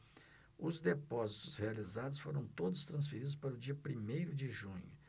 os depósitos realizados foram todos transferidos para o dia primeiro de junho